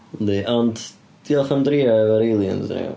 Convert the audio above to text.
Yndi, ond diolch am drio efo'r aliens eniwe.